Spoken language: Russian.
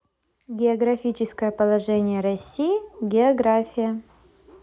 географическое положение россии география